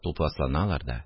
Тупасланалар да